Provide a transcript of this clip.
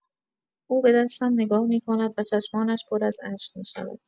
او به دستم نگاه می‌کند و چشمانش پر از اشک می‌شود.